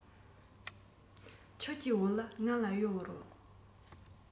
ཁྱོད ཀྱི བོད ལྭ ང ལ གཡོར རོགས